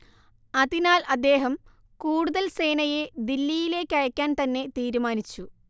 അതിനാൽ അദ്ദേഹം കൂടുതൽ സേനയെ ദില്ലിയിലേക്കയക്കാൻതന്നെ തീരുമാനിച്ചു